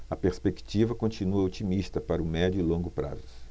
a perspectiva continua otimista para o médio e longo prazos